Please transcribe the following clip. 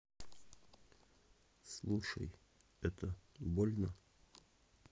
слушай это больно